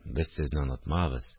– без сезне онытмабыз